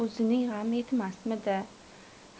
o'zining g'ami yetmasmidi